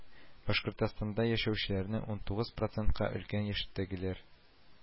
Башкортстанда яшәүчеләрнең унтугыз проценты өлкән яшьтәгеләр